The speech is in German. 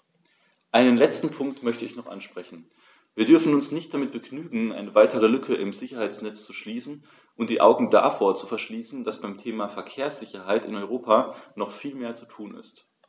Einen letzten Punkt möchte ich noch ansprechen: Wir dürfen uns nicht damit begnügen, eine weitere Lücke im Sicherheitsnetz zu schließen und die Augen davor zu verschließen, dass beim Thema Verkehrssicherheit in Europa noch viel mehr zu tun ist.